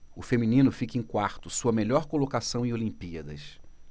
o feminino fica em quarto sua melhor colocação em olimpíadas